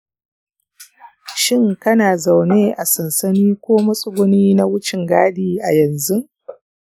shin kana zaune a sansani ko matsuguni na wucin gadi a yanzu?